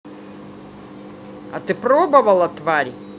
а ты пробовала тварь